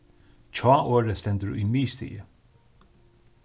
hjáorðið stendur í miðstigi